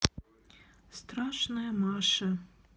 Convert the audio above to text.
страшная маша